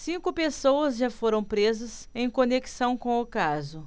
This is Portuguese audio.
cinco pessoas já foram presas em conexão com o caso